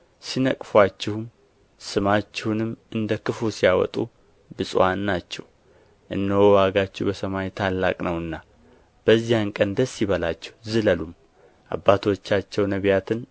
ሲነቅፉአችሁም ስማችሁንም እንደ ክፉ ሲያወጡ ብፁዓን ናችሁ እነሆ ዋጋችሁ በሰማይ ታላቅ ነውና በዚያን ቀን ደስ ይበላችሁ ዝለሉም አባቶቻቸው ነቢያትን